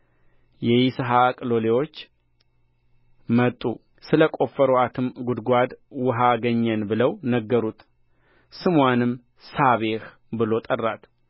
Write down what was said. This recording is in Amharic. የይስሐቅ ሎሌዎች መጡ ስለቈፈሩአትም ጕድጓድ ውኃ አገኘን ብለው ነገሩት ስምዋንም ሳቤህ ብሎ ጠራት